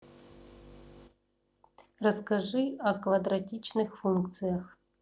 расскажи о квадратичных функциях